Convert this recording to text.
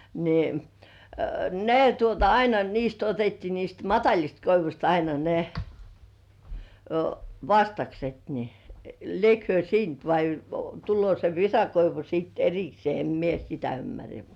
niin ne tuota aina niistä otettiin niistä matalista koivuista aina ne vastakset niin liekö he siitä vai tullut se visakoivu sitten erikseen en minä sitä ymmärrä